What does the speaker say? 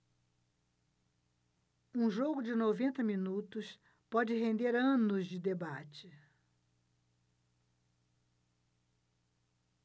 um jogo de noventa minutos pode render anos de debate